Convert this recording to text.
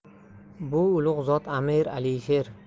bu ulug' zot amir alisher